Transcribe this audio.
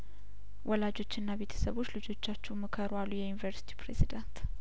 ወላጆችና ቤተሰቦች ልጆቻችሁንም ከሩ አሉ የዩኒቨርስቲው ፕሬዝዳንት